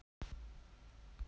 звук что то нехорошо сделай что нибудь